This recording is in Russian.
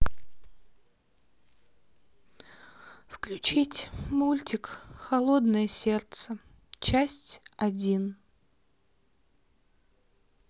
включить мультик холодное сердце часть один